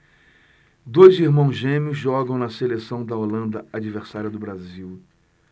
dois irmãos gêmeos jogam na seleção da holanda adversária do brasil